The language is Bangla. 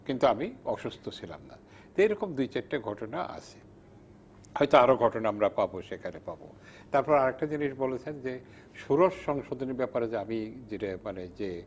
কিন্তু আমি অসুস্থ ছিলাম না তো এরকম দুই চারটা ঘটনা আছে হয়তো আরও ঘটনা আমরা পাবো সেখানে পাবো তারপর আরেকটা জিনিস বলেছেন যে ষোড়শ সংশোধনীর ব্যাপারে যে আমি মানে যে